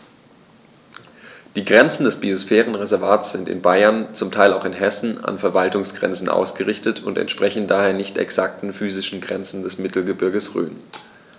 Die Grenzen des Biosphärenreservates sind in Bayern, zum Teil auch in Hessen, an Verwaltungsgrenzen ausgerichtet und entsprechen daher nicht exakten physischen Grenzen des Mittelgebirges Rhön.